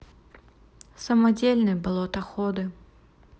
самодельные болотоходы